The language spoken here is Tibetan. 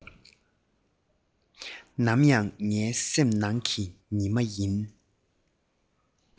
ནམ ཡང ངའི སེམས ནང གི ཉི མ ཡིན